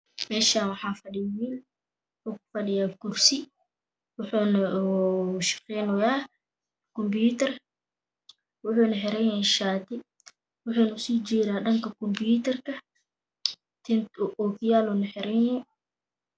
Mashan waa fadhiyo wll waxow kufadhan kursi waxow kashaqy naya kubitar